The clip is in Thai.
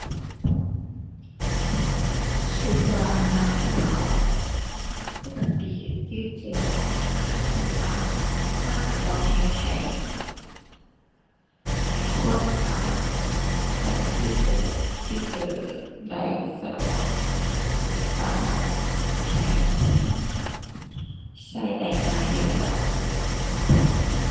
คิดว่าง่าย เพราะ ปกติ ฟีเจอร์ของธนาคารต่างต่างมันก็ต้องเฮ็ดให้ ให้คนสามารถก็ฟีเจอร์ ฟีเจอร์ได้สะดวก สามารถให้คนก็ได้ง่ายอยู่แล้ว